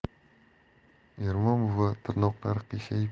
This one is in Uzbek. ermon buva tirnoqlari qiyshayib